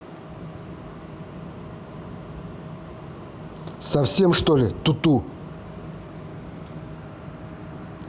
совсем что ли туту